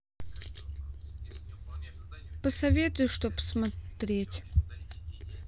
посоветуй что посмотреть